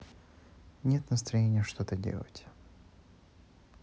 нет настроения что делать